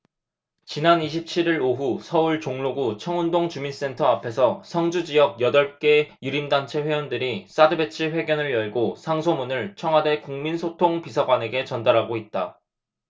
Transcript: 지난 이십 칠 일 오후 서울 종로구 청운동주민센터 앞에서 성주지역 여덟 개 유림단체 회원들이 사드배치 회견을 열고 상소문을 청와대 국민소통 비서관에게 전달하고 있다